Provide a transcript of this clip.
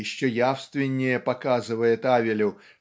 еще явственнее показывает Авелю